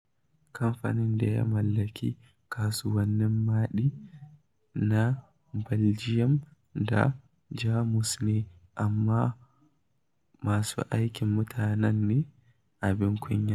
Kamfanin [da ya mallaki kasuwannin Maɗi] na Baljiyam da Jamus ne amma masu aikin mutanenmu ne! Abin kunya!